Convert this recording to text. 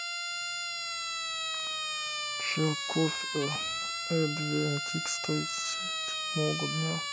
церковь адвентистов седьмого дня